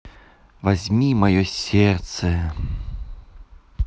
возьми сердце мое